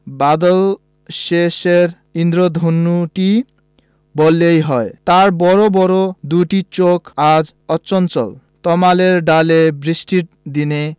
বাদলশেষের ঈন্দ্রধনুটি বললেই হয় তার বড় বড় দুটি চোখ আজ অচঞ্চল তমালের ডালে বৃষ্টির দিনে